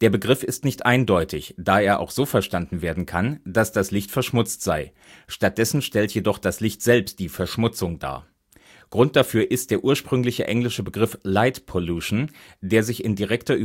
Begriff ist nicht eindeutig, da er auch so verstanden werden kann, dass das Licht verschmutzt sei, stattdessen stellt jedoch das Licht selbst die „ Verschmutzung “dar. Grund dafür ist der ursprüngliche englische Begriff light pollution, der sich in direkter